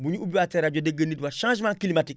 bu ñu ubbiwaatee rajo dégg nit wax changement climatique